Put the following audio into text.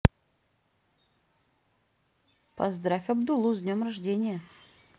поздравь абдуллу с днем рождения